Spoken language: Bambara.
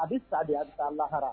A bɛ sa de a taa a lahara